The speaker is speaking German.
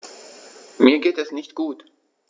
Mir geht es nicht gut.